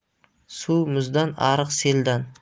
suv muzdan ariq seldan